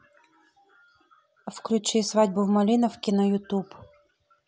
включи свадьбу в малиновке на ютуб